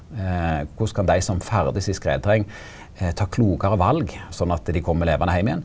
korleis kan dei som ferdast i skredterreng ta klokare val sånn at dei kjem levande heim igjen?